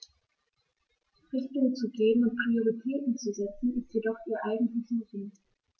Richtung zu geben und Prioritäten zu setzen, ist jedoch ihr eigentlicher Sinn.